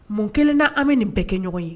Mun kelen na an bɛ nin bɛɛ kɛ ɲɔgɔn ye